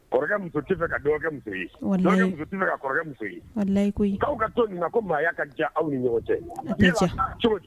Kɔrɔkɛ tɛ fɛ ka dɔgɔkɛ muso ye. Walayi. Dɔgɔkɛ muso tɛ fɛ ka kɔrɔkɛ muso ye. Walayi koyi. k'aw ka to nin na ko maaya ka diya aw ni ɲɔgɔn cɛ. O tɛ diya. O bɛ se ka diya cogo di?